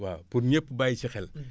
waaw pour ñépp bàyyi si xel